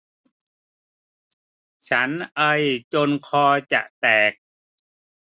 ฉันไอจนคอจะแตก